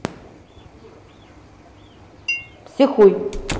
психуй